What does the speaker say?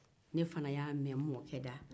ne fana y'a mɛn n'mɔkɛ da